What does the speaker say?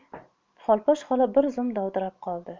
xolposh xola bir zum dovdirab qoldi